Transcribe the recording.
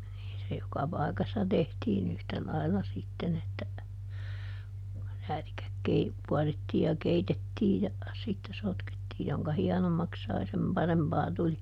niin se joka paikassa tehtiin yhtä lailla sitten että räätikkä - kuorittiin ja keitettiin ja sitten sotkettiin jonka hienommaksi sai sen parempaa tuli